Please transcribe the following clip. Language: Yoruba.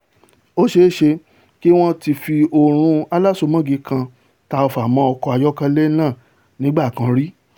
Ó ṣeé ṣe kí wọ́n ti fi ọrún alásomọ́gi kan ta ọfà mọ́ ọkọ̀ ayọ́kẹ́lẹ́ nàà nígbà kan rí.